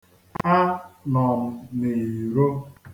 Anọ m n'iro.